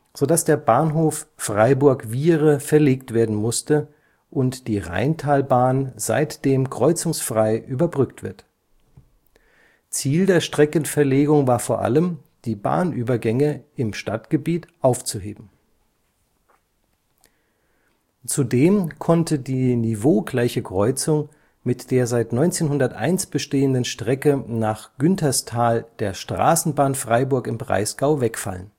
so dass der Bahnhof Freiburg-Wiehre verlegt werden musste und die Rheintalbahn seitdem kreuzungsfrei überbrückt wird. Ziel der Streckenverlegung war vor allem, die Bahnübergänge im Stadtgebiet aufzuheben. Zudem konnte die niveaugleiche Kreuzung mit der seit 1901 bestehenden Strecke nach Günterstal der Straßenbahn Freiburg im Breisgau wegfallen